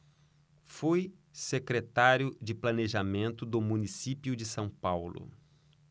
foi secretário de planejamento do município de são paulo